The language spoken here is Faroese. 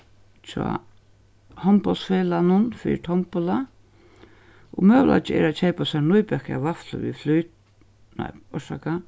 hjá hondbóltsfelagnum fyri tombola og møguleiki er at keypa sær nýbakaðar vaflur við nei orsaka